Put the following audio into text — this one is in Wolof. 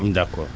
d' ;fra accord